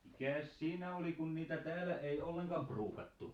mikäs siinä oli kun niitä täällä ei ollenkaan ruukattu